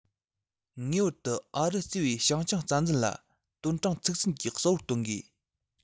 ངེས པར དུ ཨ རི གཙོས པའི བྱང ཆིངས རྩ འཛུགས ལ དོན དྲང ཚིག བཙན གྱིས གསལ པོ སྟོན དགོས